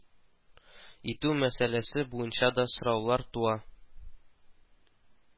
Итү мәсьәләсе буенча да сораулар туа